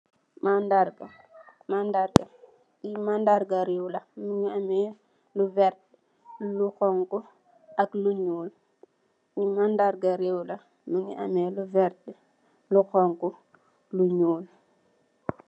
Mandarr gah, mandarr gah, lii mandarr gah rew la, mungy ameh lu vertue, lu honhu, ak lu njull, lii mandarr gah reww la, mungy ameh lu vertue, lu honhu, lu njull.